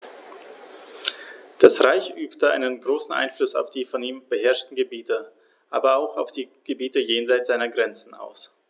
Das Reich übte einen großen Einfluss auf die von ihm beherrschten Gebiete, aber auch auf die Gebiete jenseits seiner Grenzen aus.